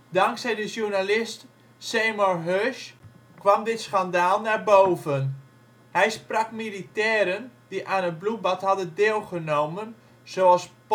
Dankzij de journalist Seymour Hersh kwam dit schandaal naar boven. Hij sprak militairen die aan het bloedbad hadden deelgenomen, zoals